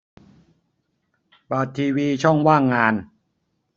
เปิดทีวีช่องว่างงาน